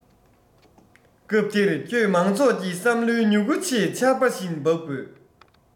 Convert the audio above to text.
སྐབས དེར ཁྱོད མང ཚོགས ཀྱི བསམ བློའི མྱུ གུའི ཆེད ཆར པ བཞིན འབབ དགོས